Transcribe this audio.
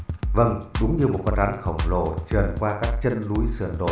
vâng đúng là như một con rắn khổng lồ trườn qua các chân núi sườn đồi